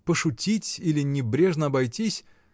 пошутить или небрежно обойтись.